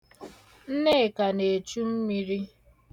Nnekà na-echu mmiri.